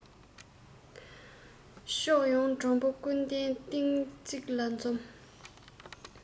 ཕྱོགས ཡོང མགྲོན པོ ཀུན གདན སྟེང གཅིག ལ འཛོམས